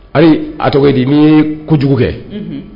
Ayi a ye min ye kojugu kɛ, unhun